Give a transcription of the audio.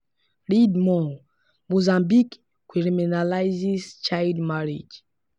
Read more: Mozambique criminalizes child marriage